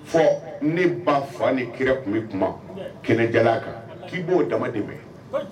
Fo ni ba fa ni kira tun bɛ kuma kelen kan k'i b'o dama de bɛ